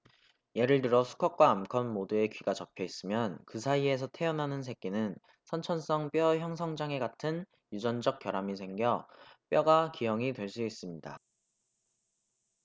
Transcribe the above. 예를 들어 수컷과 암컷 모두의 귀가 접혀 있으면 그 사이에서 태어나는 새끼는 선천성 뼈 형성 장애 같은 유전적 결함이 생겨 뼈가 기형이 될 수 있습니다